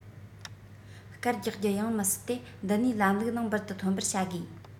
སྐར རྒྱག རྒྱུ ཡང མི སྲིད དེ འདི ནས ལམ ལུགས ནང འབུར དུ ཐོན པར བྱ དགོས